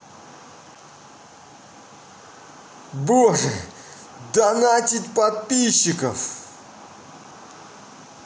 боже донатить подписчиков